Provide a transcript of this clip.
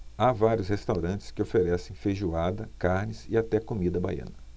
há vários restaurantes que oferecem feijoada carnes e até comida baiana